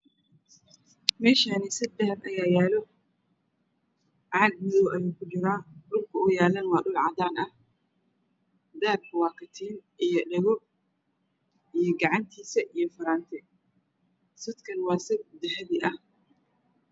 Meshan waxa yalo sad dahabi ah caag madoow ah ayoow ku jiraa dhulka oow yalo neh waa dhul cadan ah dahabku waa katiin iyo dhago iyo gacantisa iyo farantigisa sadka nah waa sad dahabi ah